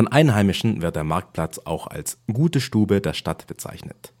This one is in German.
Einheimischen wird der Marktplatz auch als „ Gute Stube “der Stadt bezeichnet